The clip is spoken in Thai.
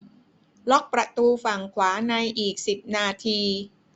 ล็อกประตูฝั่งขวาในอีกสิบนาที